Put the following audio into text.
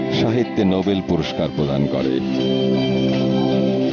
সাহিত্যে নোবেল পুরস্কার প্রদান করে